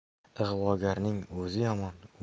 ig'vogarning o'zi yomon